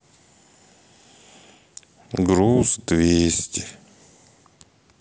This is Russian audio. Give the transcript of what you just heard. груз двести